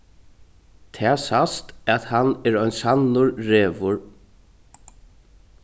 tað sæst at hann er ein sannur revur